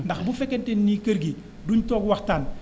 ndax bu fekkente ni kër gi duñ toog waxtaan